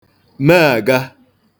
meàga